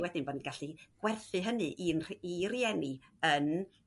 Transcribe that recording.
wedyn bo' ni'n gallu gwerthu hynny i'n i rieni yn